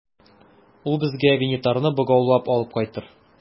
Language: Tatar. Ул безгә Винитарны богаулап алып кайтыр.